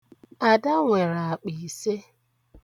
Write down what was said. Ada nwere akpa ise.